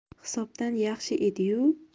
hisobdan yaxshi edi yu